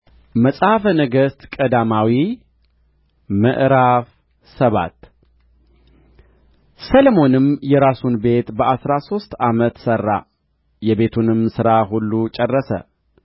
መጽሐፈ ነገሥት ቀዳማዊ ምዕራፍ ሰባት ሰሎሞንም የራሱን ቤት በአሥራ ሦስት ዓመት ሠራ የቤቱንም ሥራ ሁሉ ጨረሰ